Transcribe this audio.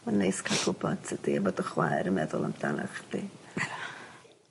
Ma'n neis ca'l gwbod tydi a ma' dy chwaer yn meddwl amdana chdi.